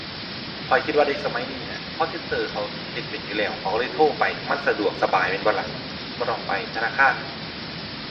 ข้อยคิดว่าเด็กสมัยนี้น่ะ call center เขาเฮ็ดเป็นอยู่แล้ว เขาก็เลยโทรไป เพราะมันสะดวกสบายแม่นบ่ล่ะ บ่ต้องไปธนาคาร